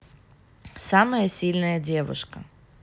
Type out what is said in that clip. самая сильная девушка